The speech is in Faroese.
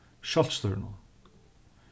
sjálvstýrinum